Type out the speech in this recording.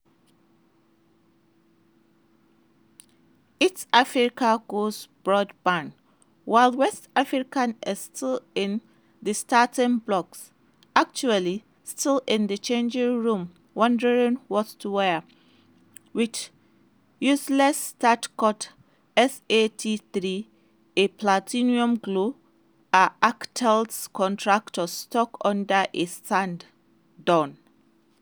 East Africa goes broadband…while West Africa is still in the starting blocks (actually, still in the changing room wondering what to wear) with useless always-cut SAT3, a phantom Glo1 (are Alcatel's contractors stuck under a sand dune?)